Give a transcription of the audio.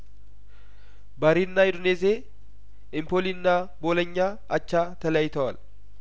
ባሪና ዩዲኔዜ ኤም ፖሊና ቦሎኛ አቻ ተለያይተዋል